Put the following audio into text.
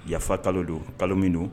Yafa kalo don kalo min don